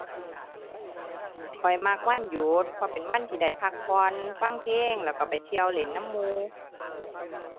ข้อยมักวันหยุด เพราะเป็นวันที่ได้พักผ่อน ฟังเพลง แล้วก็ไปเที่ยวเล่นนำหมู่